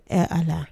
Ɛ ala